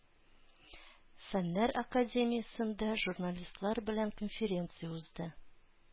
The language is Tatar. Фәннәр академиясендә журналистлар белән конференция узды.